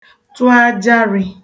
tụ ajarị